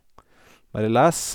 Bare lese.